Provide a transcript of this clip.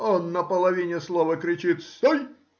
— он на половине слова кричит: Ст-о-ой!